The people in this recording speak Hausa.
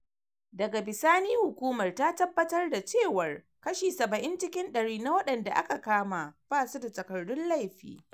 Daga bisani hukumar ta tabbatar da cewar kashi 70 cikin dari na waɗanda aka kama ba su da takardun laifi.